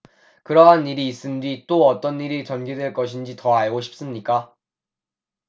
그러한 일이 있은 뒤 또 어떤 일이 전개될 것인지 더 알고 싶습니까